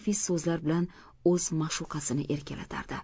so'zlar bilan o'z ma'shuqasini erkalatardi